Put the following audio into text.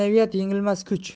naviyat yengilmas kuch